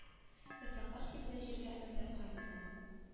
Яфраклар сибелә җиргә өметләр каеныннан